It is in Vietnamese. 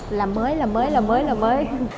làm mới làm mới làm mới làm mới